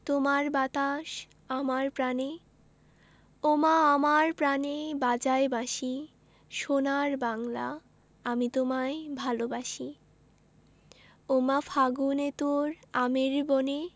তোমার বাতাস আমার প্রাণে ওমা আমার প্রানে বাজায় বাঁশি সোনার বাংলা আমি তোমায় ভালোবাসি ওমা ফাগুনে তোর আমের বনে